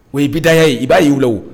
O ye bidaya ye i b'a yur'u la o